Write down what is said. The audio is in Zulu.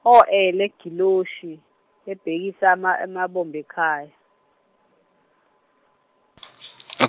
u Ole Gilisho ebhekise ama- amabombo ekhaya .